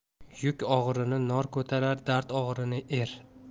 yuk og'irini nor ko'tarar dard og'irini er